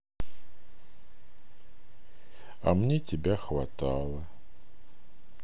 а мне тебя хватало